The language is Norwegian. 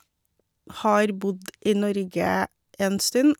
Har bodd i Norge en stund.